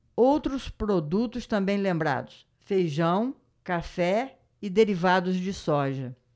outros produtos também lembrados feijão café e derivados de soja